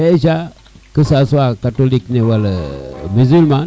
dejas que ca soit catolique ne wala Musulman ne